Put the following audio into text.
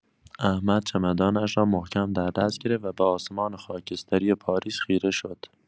احمد چمدانش را محکم در دست گرفت و به آسمان خاکستری پاریس خیره شد.